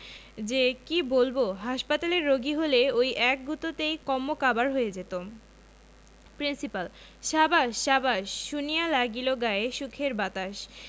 যে কি বলব হাসপাতালের রোগী হলে ঐ এক গুঁতোতেই কন্মকাবার হয়ে যেত প্রিন্সিপাল সাবাস সাবাস শুনিয়া লাগিল গায়ে সুখের বাতাস